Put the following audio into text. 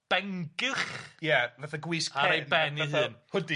Bengylch... Ia fatha gwisg pen... Ar ei ben ei hun. ...fatha hwdi.